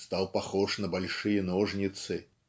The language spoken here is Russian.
стал похож на большие ножницы"